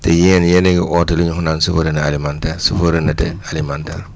te yéen yéen a ngi oote di ñu wax naan souveraineté alimentaire souveraineté alimentaire